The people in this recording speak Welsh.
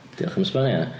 Diolch am esbonio.